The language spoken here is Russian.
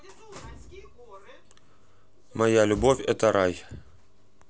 моя любовь это рай